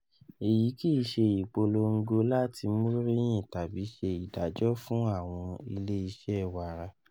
Eyi kiiṣe ipolongo lati morinyin tabi ṣe idajọ fun awọn ile iṣẹ wara.”